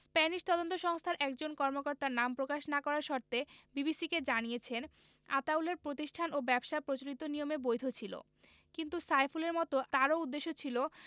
Spanish তদন্ত সংস্থার একজন কর্মকর্তা নাম প্রকাশ না করার শর্তে বিবিসিকে জানিয়েছেন আতাউলের প্রতিষ্ঠান ও ব্যবসা প্রচলিত নিয়মে বৈধ ছিল কিন্তু সাইফুলের মতো তারও উদ্দেশ্য ছিল